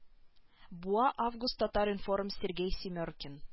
Буа август татар информ сергей семеркин